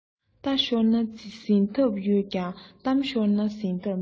རྟ ཤོར ན འཛིན ཐབས ཡོད ཀྱང གཏམ ཤོར ན འཛིན ཐབས མེད